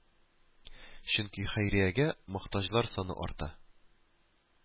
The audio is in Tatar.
Чөнки хәйриягә мохтаҗлар саны арта